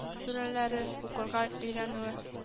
Сүрәләре укырга өйрәнүе